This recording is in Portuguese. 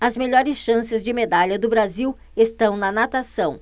as melhores chances de medalha do brasil estão na natação